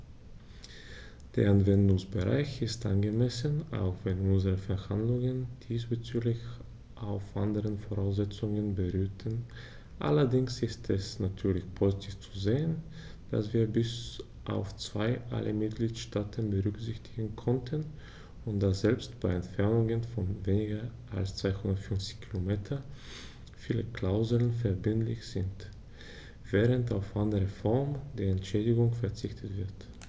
Der Anwendungsbereich ist angemessen, auch wenn unsere Verhandlungen diesbezüglich auf anderen Voraussetzungen beruhten, allerdings ist es natürlich positiv zu sehen, dass wir bis auf zwei alle Mitgliedstaaten berücksichtigen konnten, und dass selbst bei Entfernungen von weniger als 250 km viele Klauseln verbindlich sind, während auf andere Formen der Entschädigung verzichtet wird.